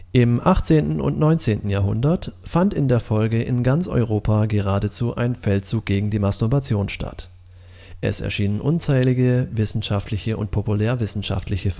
Im 18. und 19. Jahrhundert fand in der Folge in ganz Europa geradezu ein „ Feldzug gegen die Masturbation “statt. Es erschienen unzählige wissenschaftliche und populärwissenschaftliche